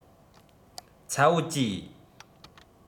ཚ བོ གཅེས